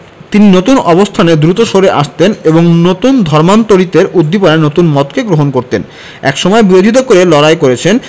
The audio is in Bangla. তিনি নতুন অবস্থানে দ্রুত সরে আসতেন এবং নতুন ধর্মান্তরিতের উদ্দীপনায় নতুন মতকে গ্রহণ করতেন একসময় বিরোধিতা করে লড়াই করেছেন